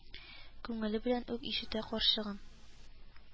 Күңеле белән үк ишетә карчыгын